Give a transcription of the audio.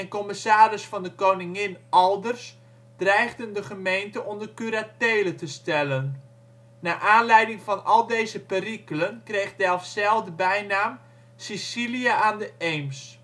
Commissaris van de Koningin Alders dreigden de gemeente onder curatele te stellen. Naar aanleiding van al deze perikelen kreeg Delfzijl de bijnaam ' Sicilië aan de Eems